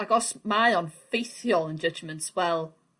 Ag os mae o'n ffeithiol ynjudgement wel